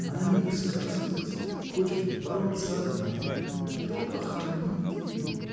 Она не высказывается, хочет бороться одна! кто охранит ее?.